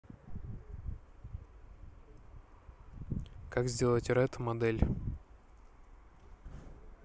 как сделать red модель